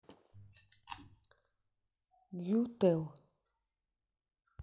que tal